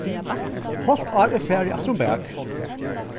hálvt ár er farið aftur um bak